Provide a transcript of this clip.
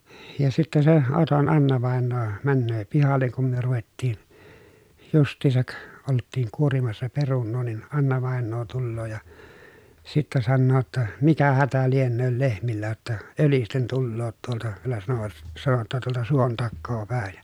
ja sitten se Oton Anna-vainaja menee pihalle kun me ruvettiin justiinsa oltiin kuorimassa perunaa niin Anna-vainaja tulee ja sitten sanoo jotta mikä hätä lienee lehmillä jotta ölisten tulevat tuolta vielä sanoivat sanoi jotta tuolta suon takaa päin